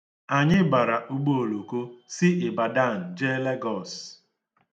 Anyị bara ugbooloko si Ibadan jee Lẹgọs.